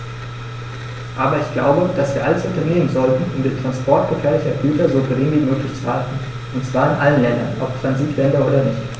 Aber ich glaube, dass wir alles unternehmen sollten, um den Transport gefährlicher Güter so gering wie möglich zu halten, und zwar in allen Ländern, ob Transitländer oder nicht.